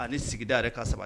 Ani sigida yɛrɛre ka saba